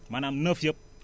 maanaam neuf yëpp